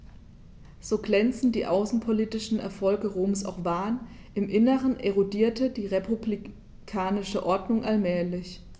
So glänzend die außenpolitischen Erfolge Roms auch waren: Im Inneren erodierte die republikanische Ordnung allmählich.